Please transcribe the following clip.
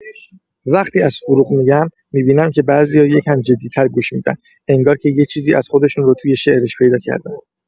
وقتی از فروغ می‌گم، می‌بینم که بعضیا یه کم جدی‌تر گوش می‌دن، انگار که یه چیزی از خودشون رو توی شعرش پیدا کردن.